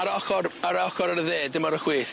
Ar y ochor ar y ochor ar y dde, dim ar y chwith.